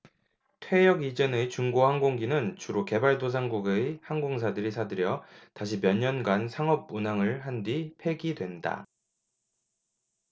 퇴역 이전의 중고 항공기는 주로 개발도상국의 항공사들이 사들여 다시 몇년간 상업운항을 한 뒤 폐기된다